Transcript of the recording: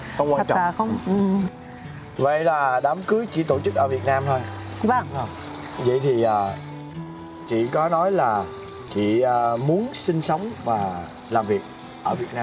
không quan trọng vậy là đám cưới chỉ tổ chức ở việt nam thôi vậy thì chị có nói là chị muốn sinh sống và làm việc ở việt nam